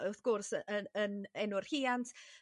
wrth gwrs yn yn enw'r rhiant